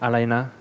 อะไรนะ